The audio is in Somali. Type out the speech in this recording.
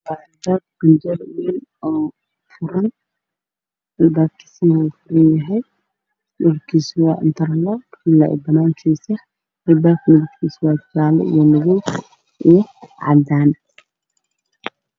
Meeshaan waa guri albaabkiisa ah albaabka uu furan yahay waana albaab sharaxan oo qurxan guri ayaa ka dambeeyo